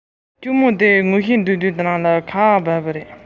ཁྱོད ཀྱིས ཁམས ཀྱི རྒན མོ ཞིག ལ